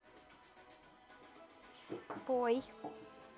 пой